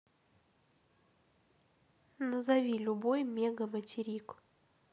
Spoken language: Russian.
назови любой мега материк